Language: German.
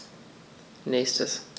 Nächstes.